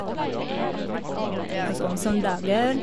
Og så om søndager...